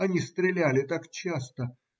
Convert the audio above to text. Они стреляли так часто.